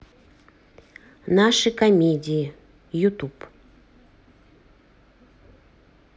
наши комедии ютуб